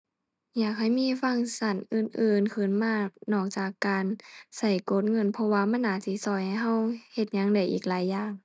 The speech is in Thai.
อยากให้มีฟังก์ชันอื่นอื่นขึ้นมานอกจากการใช้กดเงินเพราะว่ามันน่าสิใช้ให้ใช้เฮ็ดหยังได้อีกหลายอย่าง